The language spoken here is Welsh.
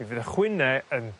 mi fydd y chwyne yn